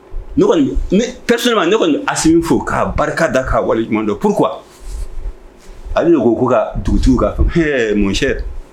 Pre ne kɔni asimi fo ka barika da ka waleɲuman don pkura a bɛ ko ko ka dugutigiw kan h mun